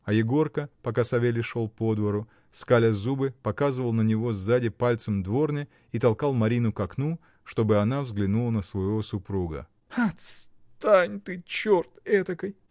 А Егорка, пока Савелий шел по двору, скаля зубы, показывал на него сзади пальцем дворне и толкал Марину к окну, чтобы она взглянула на своего супруга. — Отстань ты, черт этакой!